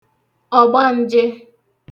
ọ̀gbanjē